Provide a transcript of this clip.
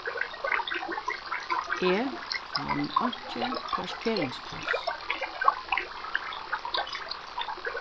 eg fann einki parkeringspláss